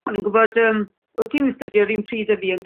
O'n ni'n gwbod yym o' ti'n astudio 'run pryd â fi yn